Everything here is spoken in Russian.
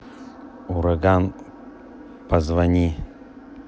ураган позвони